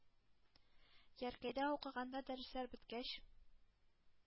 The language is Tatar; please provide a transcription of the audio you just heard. Яркәйдә укыганда, дәресләр беткәч,